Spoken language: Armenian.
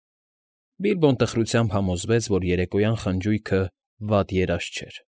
Բիլբոն տխրությամբ համոզվեց, որ երեկոյան խնջույքը վատ երազ չէր։